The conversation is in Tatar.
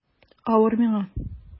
Авыр миңа...